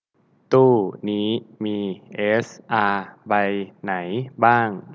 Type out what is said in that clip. ตู้นี้มีเอสอาใบไหนบ้าง